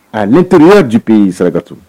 A l'intérieur du pays Sarakatu